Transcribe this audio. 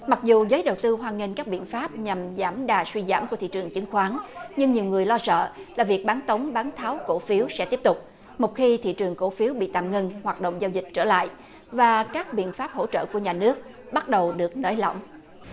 mặc dù giới đầu tư hoan nghênh các biện pháp nhằm giảm đà suy giảm của thị trường chứng khoán nhưng nhiều người lo sợ là việc bán tống bán tháo cổ phiếu sẽ tiếp tục một khi thị trường cổ phiếu bị tạm ngừng hoạt động giao dịch trở lại và các biện pháp hỗ trợ của nhà nước bắt đầu được nới lỏng